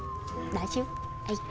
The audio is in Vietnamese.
đợi xíu ê